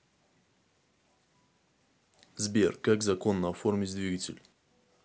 сбер как законно оформить двигатель